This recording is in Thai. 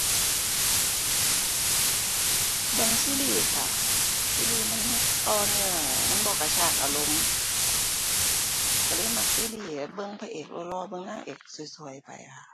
เบิ่งซีรีส์ค่ะ ซีรีส์มันต่อเนื่อง มันบ่กระชากอารมณ์ ก็เลยมักซีรีส์ เบิ่งพระเอกหล่อหล่อ เบิ่งนางเอกสวยสวยไปค่ะ